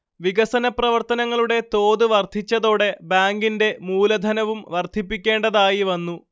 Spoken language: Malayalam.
വികസന പ്രവർത്തനങ്ങളുടെ തോത് വർധിച്ചതോടെ ബാങ്കിന്റെ മൂലധനവും വർധിപ്പിക്കേണ്ടതായിവന്നു